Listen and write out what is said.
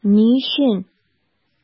Ни өчен?